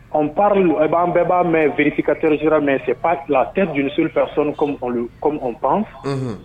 Ɔ parr a b'an bɛɛ b'a mɛn viriti ka trisi mɛn se pa la tɛ dununsu fɛ sanu pan